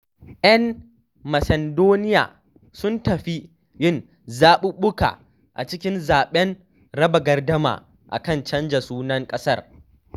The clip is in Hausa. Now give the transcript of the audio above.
‘Yan Macedonia sun tafi yin zaɓuɓɓuka a cikin zaɓen raba gardama a kan canza sunan kasar